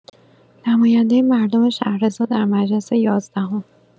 نماینده مردم شهرضا در مجلس یازدهم